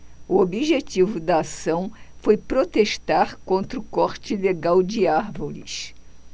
o objetivo da ação foi protestar contra o corte ilegal de árvores